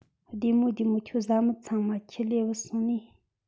བདེ མོ བདེ མོ ཁྱོད བཟའ མི ཚང མ ཁྱིད ལས བུད ཡོང ནིས